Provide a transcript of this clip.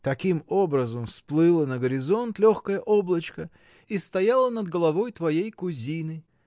Таким образом всплыло на горизонт легкое облачко и стало над головой твоей кузины!